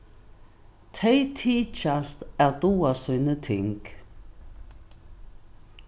tey tykjast at duga síni ting